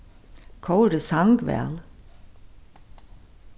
kórið sang væl